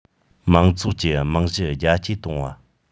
མང ཚོགས ཀྱི རྨང གཞི རྒྱ སྐྱེད གཏོང བ